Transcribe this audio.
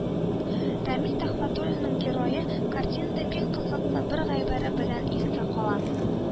Рамил Төхвәтуллинның герое картинада бик кызыклы бер гыйбарә белән истә кала